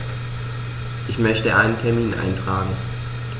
Ich möchte einen Termin eintragen.